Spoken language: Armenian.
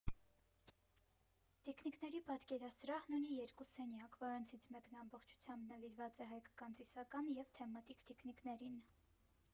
Տիկնիկների պատկերասրահն ունի երկու սենյակ, որոնցից մեկն ամբողջությամբ նվիրված է հայկական ծիսական ու թեմատիկ տիկնիկներին։